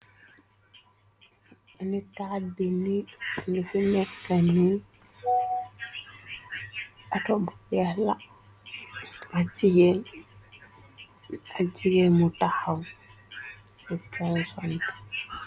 Nitaal bi nit lufi nekka ni auto bu vexla ak jigeen mu taxaw ci junction.